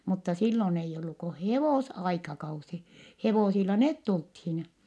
mutta silloin ei ollut kuin hevosaikakausi hevosilla ne tultiin